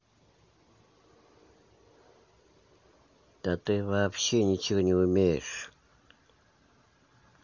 да ты вообще ничего не умеешь